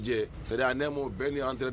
c'est à dire en un mot .